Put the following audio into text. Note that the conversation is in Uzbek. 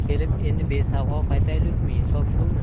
kelib endi besavg'o qaytaylukmi insof shumi